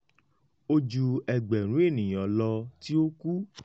Ó ju ẹgbẹ̀rún ènìyàn lọ tí ó kú.